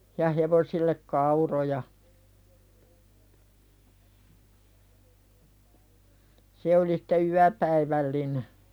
ja hevosille kauroja se oli sitten yöpäivällinen